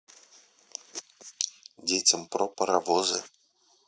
детям про паровозы